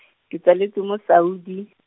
ke tsaletswe mo Saudi.